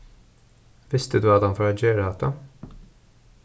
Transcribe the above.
visti tú at hann fór at gera hatta